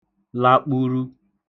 lakpuru